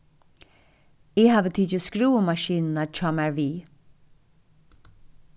eg havi tikið skrúvumaskinuna hjá mær við